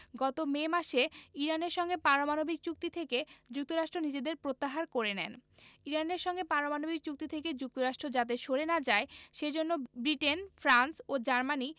গত মে মাসে ইরানের সঙ্গে পারমাণবিক চুক্তি থেকে যুক্তরাষ্ট্র নিজেদের প্রত্যাহার করে নেন ইরানের সঙ্গে পরমাণু চুক্তি থেকে যুক্তরাষ্ট্র যাতে সরে না যায় সে জন্য ব্রিটেন ফ্রান্স ও জার্মানি